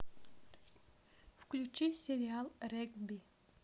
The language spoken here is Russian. включи сериал регби